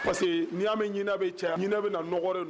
Parce que'i y'a mɛn ɲininina bɛ cɛ hinɛ bɛ na nɔgɔɔgɔ